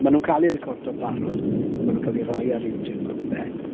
Maen nhw'n cael eu recordo'n barod a maen nhw'n cael eu rhoi ar youtube a pethau.